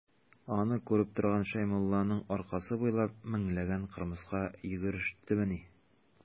Аны күреп торган Шәймулланың аркасы буйлап меңләгән кырмыска йөгерештемени.